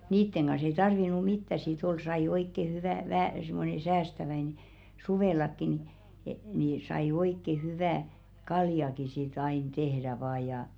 niiden kanssa ei tarvinnut mitään sitten olla sai oikein hyvää vähän semmoinen säästäväinen suvellakin niin niin sai oikein hyvää kaljaakin sitten aina tehdä vain ja